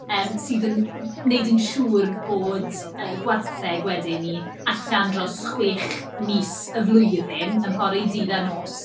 Yym sydd yn wneud yn siŵr bod y gwartheg wedi 'ny allan dros chwech mis y flwyddyn, yn pori dydd a nos.